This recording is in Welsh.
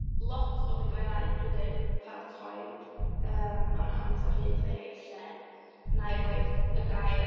Lot o dogfennau dwi 'di paratoi, yym, mewn amser rhydd fi, lle wna i rhoid y gair.